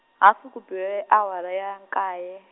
hafu ku be, awara ya nkaye.